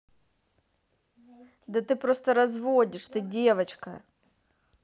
да ты просто разводишь ты девочка